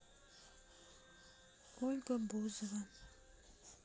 ольга бузова